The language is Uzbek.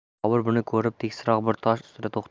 bobur buni ko'rib tekisroq bir tosh ustida to'xtadi